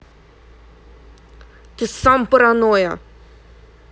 ты сам паранойя